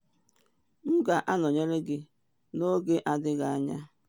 M ga-anọnyere gị n’oge adịghị anya.